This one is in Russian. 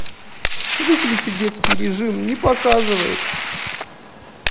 выключи детский режим не показывает